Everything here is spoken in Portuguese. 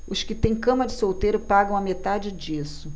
os que têm cama de solteiro pagam a metade disso